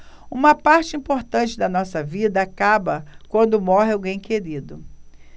uma parte importante da nossa vida acaba quando morre alguém querido